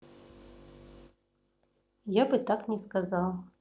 я бы так не сказал